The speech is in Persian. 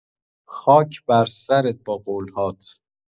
خاک برسرت با قول‌هات